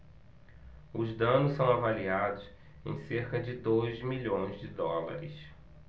os danos são avaliados em cerca de dois milhões de dólares